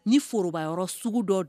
Ni forobayɔrɔ sugu dɔ don